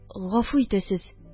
– гафу итәсез,